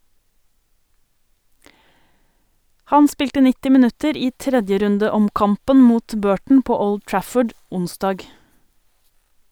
Han spilte 90 minutter i 3. runde-omkampen mot Burton på Old Trafford onsdag.